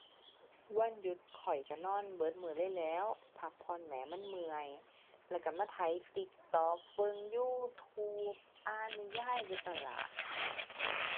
วันหยุดข้อยก็นอนก็มื้อเลยแหล้ว พักผ่อนแหม มันเมื่อย แล้วก็มาไถ TikTok เบิ่ง YouTube อ่านนิยายไปซั้นล่ะ